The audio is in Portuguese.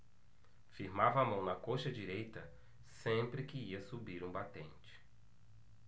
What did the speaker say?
firmava a mão na coxa direita sempre que ia subir um batente